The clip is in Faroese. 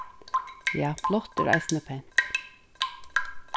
ja blátt er eisini pent